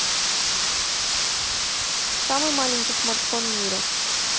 самый маленький смартфон в мире